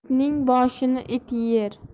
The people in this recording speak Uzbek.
itning boshini it yer